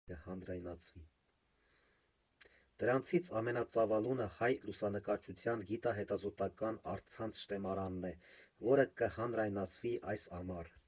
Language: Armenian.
Դրանցից ամենածավալունը հայ լուսանկարչության գիտա֊հետազոտական առցանց շտեմարանն է, որը կհանրայնացվի այս ամառ։